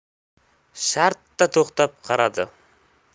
shartta to'xtab qaradi